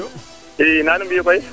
ii nam nu mbiyu koy